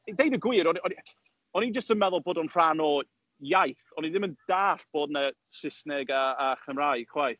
I ddeud y gwir, o'n i o'n i o'n i jyst yn meddwl bod o'n rhan o iaith. O'n i ddim yn dallt bod 'na Saesneg a a Chymraeg, chwaith.